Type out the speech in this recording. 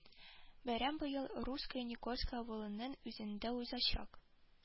Бәйрәм быел русское никольское авылының үзендә узачак